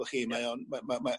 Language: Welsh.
Gwel' chi mae o'n mae mae ma'